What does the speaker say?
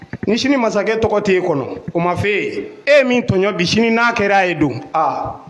Ni sini masakɛ tɔgɔ tɛ kɔnɔ , o ma fɔ a ɲana, e ye min tɔɲɔn bi sini n'a kɛra ye dun ? Ahh.